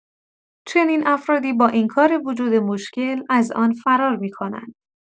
چنین افرادی، با انکار وجود مشکل، از آن فرار می‌کنند.